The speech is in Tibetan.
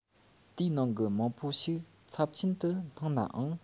དེའི ནང གི མང པོ ཞིག ཚབས ཆེན དུ སྣང ནའང